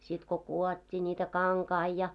sitten kun kudottiin niitä kankaita ja